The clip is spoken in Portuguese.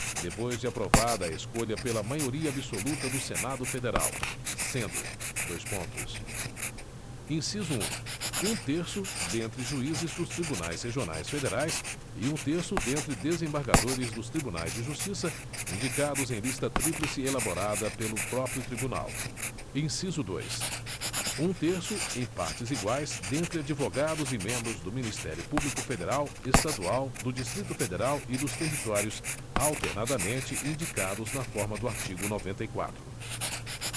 depois de aprovada a escolha pela maioria absoluta do senado federal sendo dois pontos inciso um um terço dentre juízes dos tribunais regionais federais e um terço dentre desembargadores dos tribunais de justiça indicados em lista tríplice elaborada pelo próprio tribunal inciso dois um terço em partes iguais dentre advogados e membros do ministério público federal estadual do distrito federal e dos territórios alternadamente indicados na forma do artigo noventa e quatro